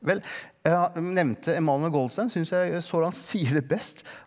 vel nevnte Emmanuel Goldstein syns jeg så langt sier det best.